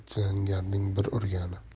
chilangarning bir urgani